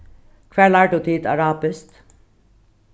hvar lærdu tit arabiskt